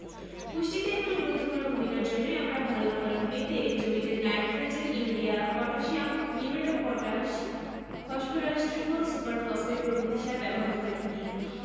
পুষ্টিতে এগুলোর গুরুত্বপূর্ণ ভূমিকার জন্যই আমরা ভালো ফলন পেতে জমিতে nitrogen urea potassium muriate of potash phosphorus triple super phosphate প্রভৃতি সার ব্যবহার করে থাকি